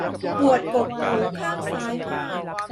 ปวดกกหูข้างซ้ายมาก